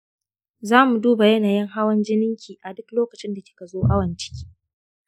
zamu duba yanayin hawan jininki a duk lokacin da kika zo awon ciki